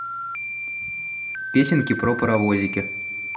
песенки про паровозики